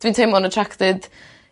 Dwi'n teimlo'n attracted